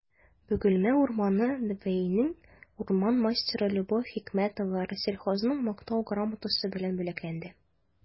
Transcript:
«бөгелмә урманы» дбинең урман мастеры любовь хикмәтова рослесхозның мактау грамотасы белән бүләкләнде